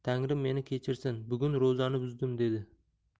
tangrim meni kechirsin bugun ro'zani buzdim dedi